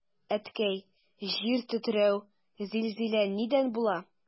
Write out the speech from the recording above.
Әткәй, җир тетрәү, зилзилә нидән була?